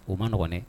U maɔgɔn